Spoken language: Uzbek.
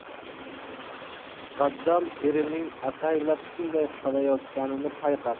muqaddam erining ataylab shunday qilayotganini payqadi